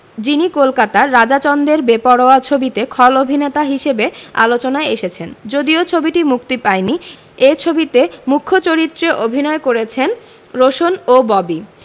যিনি কলকাতার রাজা চন্দের বেপরোয়া ছবিতে খল অভিননেতা হিসেবে আলোচনায় এসেছেন যদিও ছবিটি মুক্তি পায়নি এই ছবিতে মূখ চরিত্রে অভিনয় করছেন রোশান ও ববি